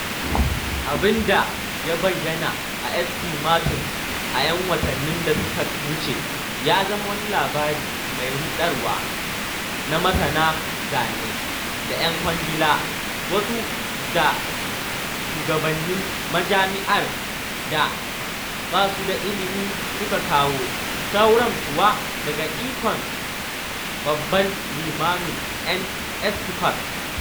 Abin da ya bayyana a St. Martin’s a ‘yan watanni da suka wuce ya zama wani labari mai ruɗarwa na masana zane da ‘yan kwangila, wasu da shugabannin majami’ar da ba su da ilimi suka kawo, sauran kuwa daga ikon babban limamin ‘yan Episcopal.